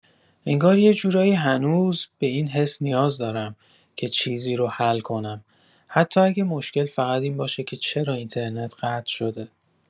انگار یه جورایی هنوز به این حس نیاز دارم که چیزی رو حل کنم، حتی اگه مشکل فقط این باشه که چرا اینترنت قطع شده.